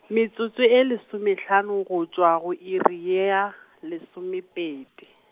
metsotso e lesomehlano go tšwa go iri ya, lesomepedi.